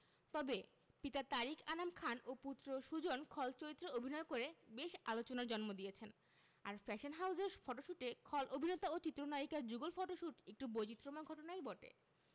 তবে পিতা তারিক আনাম খান ও পুত্র সুজন খল চরিত্রে অভিনয় করে বেশ আলোচনার জন্ম দিয়েছেন আর ফ্যাশন হাউজের ফটোশুটে খল অভিনেতা ও চিত্রনায়িকার যুগল ফটোশুট একটু বৈচিত্রময় ঘটনাই বটে